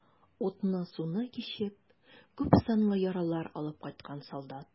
Утны-суны кичеп, күпсанлы яралар алып кайткан солдат.